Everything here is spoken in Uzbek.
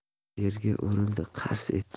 dutor yerga urildi qars etdi